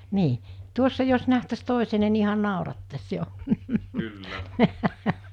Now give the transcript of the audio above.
niin tuossa jos nähtäisi toisemme niin ihan naurattaisi jo